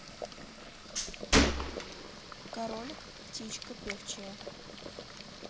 королек птичка певчая